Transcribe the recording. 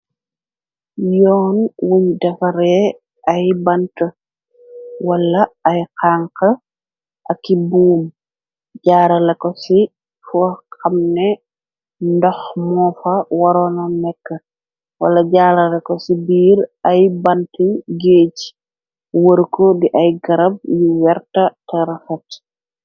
Yoon wuñ defa ree ay bant, wala ay xanx, aki buum jaarala ko ci foxamne ndox moo fa waroona nekk, wala jaarala ko ci biir ay banti géej wër ko di ay garab yu werta të rafet.